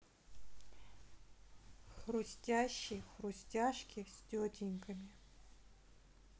хрустящие хрустяшки с тетеньками